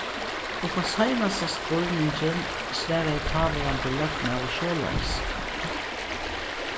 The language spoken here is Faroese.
upp á seinasta spurningin svaraði táverandi løgmaður soleiðis